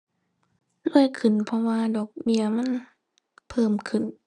รวยขึ้น เพราะว่าดอกเบี้ยมันเพิ่มขึ้น